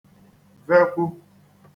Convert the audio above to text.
vekwū